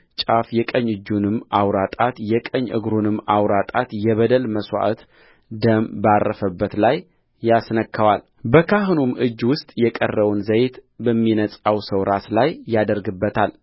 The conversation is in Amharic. ጫፍ የቀኝ እጁንም አውራ ጣት የቀኝ እግሩንም አውራ ጣት የበደል መሥዋዕት ደም ባረፈበት ላይ ያስነካዋልበካህኑም እጅ ውስጥ የቀረውን ዘይት በሚነጻው ሰው ራስ ላይ ያደርግበታል